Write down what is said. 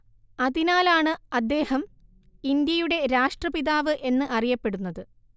അതിനാലാണ് അദ്ദേഹം ഇന്ത്യയുടെ രാഷ്ട്രപിതാവ് എന്ന് അറിയപ്പെടുന്നത്